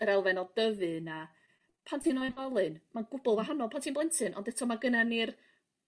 yr elfennol dyfu 'na pan ti'n oedolyn ma'n gwbwl wahanol pan ti'n blentyn ond eto ma' gynnan ni'r